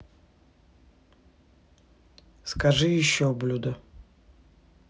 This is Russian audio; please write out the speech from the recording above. скажи еще блюдо